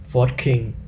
โฟธคิง